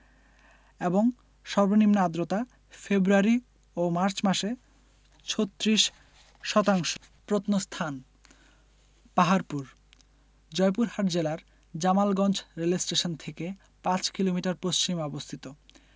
এবং সর্বনিম্ন আর্দ্রতা ফেব্রুয়ারি ও মার্চ মাসে ৩৬ শতাংশ প্রত্নস্থানঃ পাহাড়পুর জয়পুরহাট জেলার জামালগঞ্জ রেলস্টেশন থেকে ৫ কিলোমিটার পশ্চিমে অবস্থিত